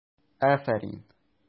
Афәрин!